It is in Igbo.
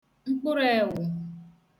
mkpụrụ ẹwụ̀